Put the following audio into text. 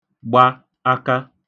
gba aka